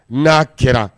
N'a kɛra